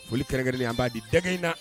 Foli kɛrɛn an b'a di dɛgɛ in na